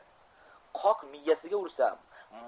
qok miyasiga ursam